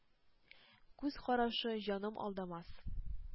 Күз карашы, җаным, алдамас.